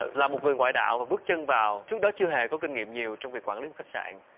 ở là một người ngoại đạo và bước chân vào trước đó chưa hề có kinh nghiệm nhiều trong việc quản lý khách sạn